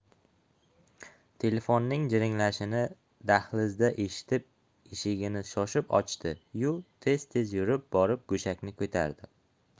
telefonning jiringlashini dahlizda eshitib eshigini shoshib ochdi yu tez tez yurib borib go'shakni ko'tardi